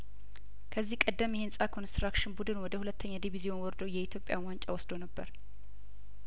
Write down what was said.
ከዚህ ቀደም የህንጻ ኮንስትራክሽን ቡድን ወደ ሁለተኛ ዲቪዚዮን ወርዶ የኢትዮጵያን ዋንጫ ወስዶ ነበር